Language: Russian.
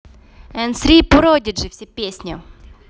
and three prodigy все песни